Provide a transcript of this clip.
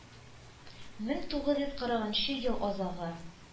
Мен тугыз йөз кырыгынчы ел азагы.